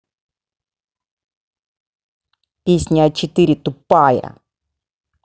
песня а четыре тупая